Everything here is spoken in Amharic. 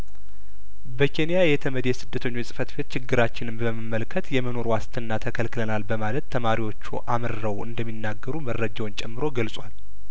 በኬንያ የተመድ የስደተኞች ጽፈት ቤት ችግራችንን በመመልከት የመኖር ዋስትና ተከልከለናል በማለት ተማሪዎቹ አምረው እንደሚናገሩ መረጃውን ጨምሮ ገልጿል